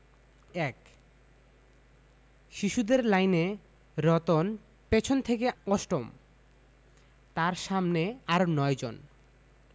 ১ শিশুদের লাইনে রতন পিছন থেকে অষ্টম তার সামনে আরও ৯ জন